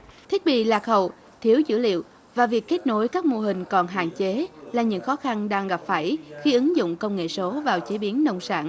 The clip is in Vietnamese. thiết bị lạc hậu thiếu dữ liệu và việc kết nối các mô hừng còn hạn chế là những khó khăn đang gặp phải khi ứng dụng công nghệ số vào chế biến nông sản